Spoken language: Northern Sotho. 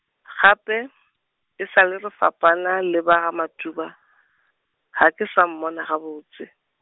gape, e sa le re fapana le ba ga Matuba, ga ke sa mmona gabotse.